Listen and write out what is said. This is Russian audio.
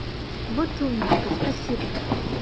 вот умничка спасибо